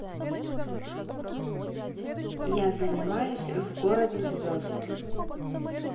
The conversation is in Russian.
я занимаюсь в городе звезд